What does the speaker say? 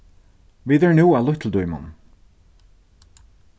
vit eru nú á lítlu dímun